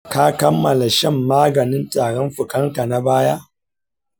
ka kammala shan maganin tarin fukanka na baya?